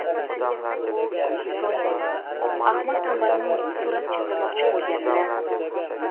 so'ng ahmad tanbalning surat chizdirmoqchi bo'lganini